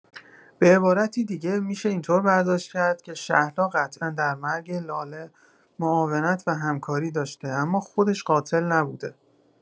به عبارتی دیگه می‌شه اینطور برداشت کرد که شهلا قطعا در مرگ لاله معاونت و همکاری داشته اما خودش قاتل نبوده.